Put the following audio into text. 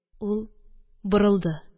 Ул борылды